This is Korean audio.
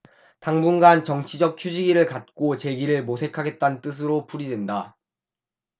당분간 정치적 휴지기를 갖고 재기를 모색하겠다는 뜻으로 풀이된다